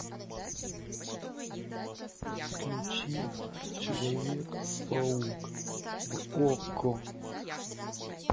включи человек паук в окко